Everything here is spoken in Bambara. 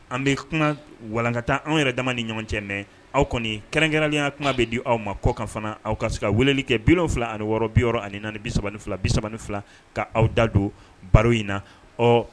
An bɛ kuma walankata anw yɛrɛ dama ni ɲɔgɔn cɛ aw kɔni kɛrɛnkɛrɛnlenya kuma bɛ di aw ma kɔkan fana aw ka se ka weleli kɛ bi fila ani wɔɔrɔ bi ani naani bi3 fila bi3 fila ka aw da don baro in na ɔ